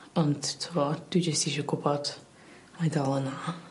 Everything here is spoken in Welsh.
Ond t'mod dwi jyst isio gwbod mae dal yna.